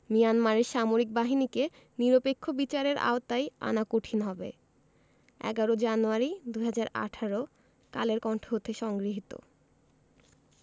মিয়ানমারের সামরিক বাহিনীকে নিরপেক্ষ বিচারের আওতায় আনা কঠিন হবে ১১ জানুয়ারি ২০১৮ কালের কন্ঠ হতে সংগৃহীত